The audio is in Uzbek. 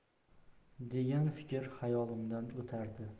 degan fikr xayolimdan o'tardi